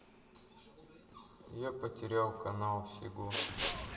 я потерял канал всего